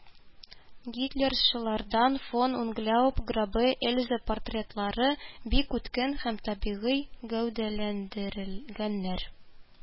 Гитлерчылардан фон Унгляуб, Грабэ, Эльза портретлары бик үткен һәм табигый гәүдәләндерелгәннәр